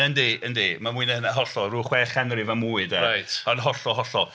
Yndi yndi mae'n mwy 'na hynna, hollol ryw chwech chanrif a mwy de... Reit. ...yn hollol, hollol.